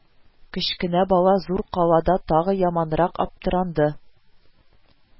Кечкенә бала зур калада тагы яманрак аптыранды